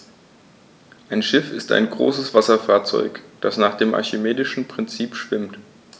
Ein Schiff ist ein größeres Wasserfahrzeug, das nach dem archimedischen Prinzip schwimmt.